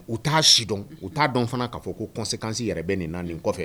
U t'a sidɔn u t'a dɔn fana k'a fɔ ko consequences yɛrɛ bɛ nin na nin kɔfɛ.